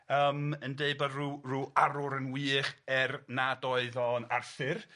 Yym yn deud bod rw rw arwr yn wych er nad oedd o'n Arthur.